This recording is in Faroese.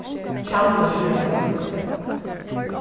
tjaldursvegur